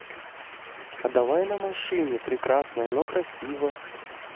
а давай на машине прекрасная но красиво